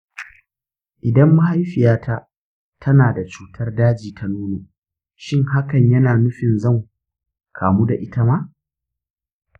idan mahaifiyata tana da cutar daji ta nono, shin hakan yana nufin zan kamu da ita ma?